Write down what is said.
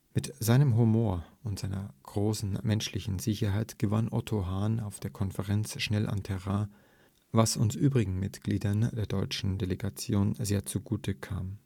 Mit seinem Humor und seiner großen menschlichen Sicherheit gewann Otto Hahn auf der Konferenz schnell an Terrain, was uns übrigen Mitgliedern der deutschen Delegation sehr zugute kam